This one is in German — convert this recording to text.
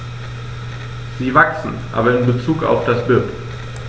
Sie wachsen, aber in bezug auf das BIP.